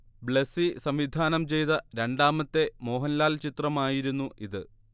ബ്ലെസ്സി സംവിധാനം ചെയ്ത രണ്ടാമത്തെ മോഹൻലാൽ ചിത്രമായിരുന്നു ഇത്